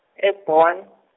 e Bon-.